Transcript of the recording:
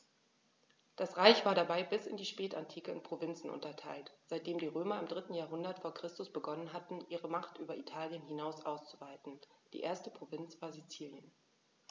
Das Reich war dabei bis in die Spätantike in Provinzen unterteilt, seitdem die Römer im 3. Jahrhundert vor Christus begonnen hatten, ihre Macht über Italien hinaus auszuweiten (die erste Provinz war Sizilien).